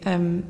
yym